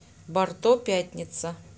барто пятница